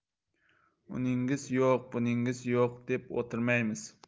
uningiz yo'q buningiz yo'q deb o'tirmaymiz